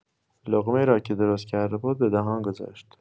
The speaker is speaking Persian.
لقمه‌ای را که درست کرده بود به دهان گذاشت.